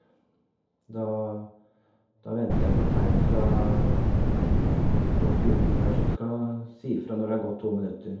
da Da venter jeg på tegn fra folket utenfor her som skal si fra når det har gått to minutter.